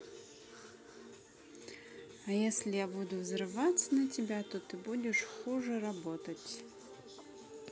а если я буду взрываться на тебя то ты будешь хуже работать